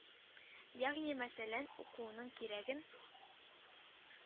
Ягъни мәсәлән, укуның кирәген